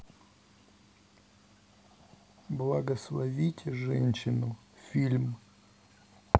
благословите женщину фильм